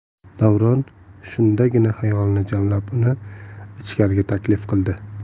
davron shundagina xayolini jamlab uni ichkariga taklif qildi